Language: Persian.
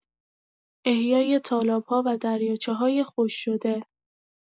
احیای تالاب‌ها و دریاچه‌های خشک‌شده